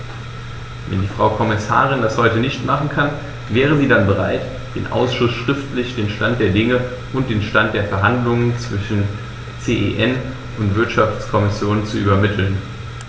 Wenn die Frau Kommissarin das heute nicht machen kann, wäre sie dann bereit, dem Ausschuss schriftlich den Stand der Dinge und den Stand der Verhandlungen zwischen CEN und Wirtschaftskommission zu übermitteln?